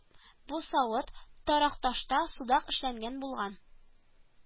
Бу савыт Таракъташта Судак эшләнгән булган